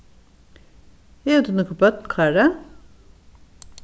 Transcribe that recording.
hevur tú nøkur børn kári